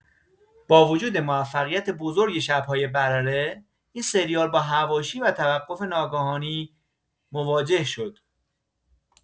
با وجود موفقیت بزرگ شب‌های برره، این سریال با حواشی و توقف ناگهانی مواجه شد.